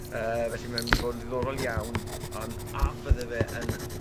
yy felly mae myn' i fod yn ddiddorol iawn on' a fydde fe yn